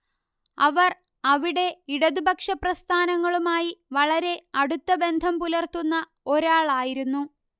അവർ അവിടെ ഇടതുപക്ഷപ്രസ്ഥാനങ്ങളുമായി വളരെ അടുത്ത ബന്ധം പുലർത്തുന്ന ഒരാളായിരുന്നു